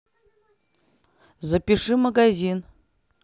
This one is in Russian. запиши магазин